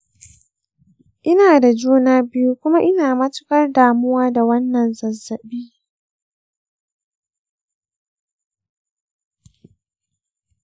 ina da juna biyu kuma ina matuƙar damuwa da wannan zazzabi.